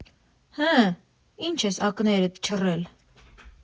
֊ Հը՞, ի՞նչ ես ակներդ չռել։